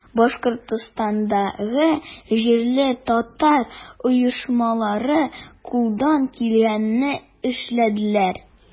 Башкортстандагы җирле татар оешмалары кулдан килгәнне эшләделәр.